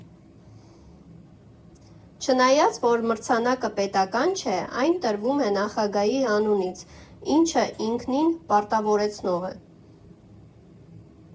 ֊ Չնայած որ մրցանակը պետական չէ, այն տրվում է նախագահի անունից, ինչն ինքնին պարտավորեցնող է։